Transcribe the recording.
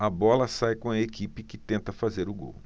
a bola sai com a equipe que tenta fazer o gol